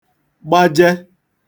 gbaje